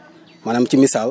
maanaam ci misaal